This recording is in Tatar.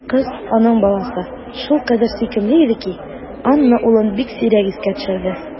Кыз, аның баласы, шулкадәр сөйкемле иде ки, Анна улын бик сирәк искә төшерде.